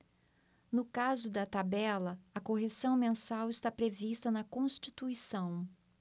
no caso da tabela a correção mensal está prevista na constituição